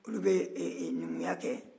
olu bɛ ɛ numunya kɛ